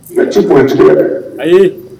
Ka ci kun cogo ayi ye